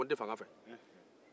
a ko n tɛ fanga fɛ